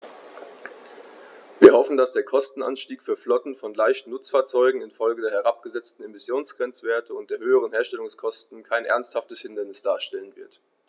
Wir hoffen, dass der Kostenanstieg für Flotten von leichten Nutzfahrzeugen in Folge der herabgesetzten Emissionsgrenzwerte und der höheren Herstellungskosten kein ernsthaftes Hindernis darstellen wird.